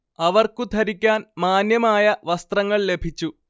അവർക്കു ധരിക്കാൻ മാന്യമായ വസ്ത്രങ്ങൾ ലഭിച്ചു